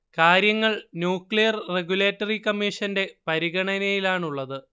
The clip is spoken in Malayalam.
കാര്യങ്ങൾ ന്യൂക്ലിയർ റഗുലേറ്ററി കമ്മീഷന്റെ പരിഗണനയിലാണുള്ളത്